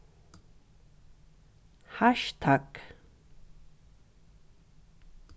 hassjtagg